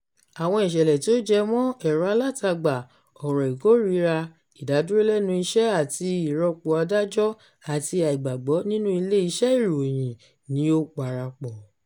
Àwọn ìṣẹ̀lẹ̀ tí ó jẹ́ mọ́n ẹ̀rọ-alátagbà, ọ̀rọ̀ ìkórìíra, ìdádúró lẹ́nu iṣẹ́ àti ìrọ́pò adájọ́, àti àìgbàgbọ́ nínú ilé iṣẹ́ ìròyìn ni ó parapọ̀.